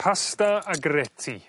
Pasta agretti.